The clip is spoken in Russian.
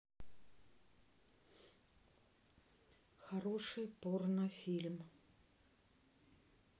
хороший порно фильм